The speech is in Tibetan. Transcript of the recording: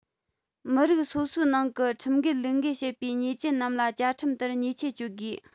མི རིགས སོ སོའི ནང གི ཁྲིམས འགལ ལུགས འགལ བྱེད པའི ཉེས ཅན རྣམས ལ བཅའ ཁྲིམས ལྟར ཉེས ཆད གཅོད དགོས